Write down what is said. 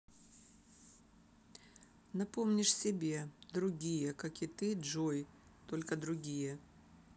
напомнишь себе другие как и ты джой только другие